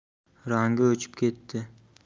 rangi o'chib ketdi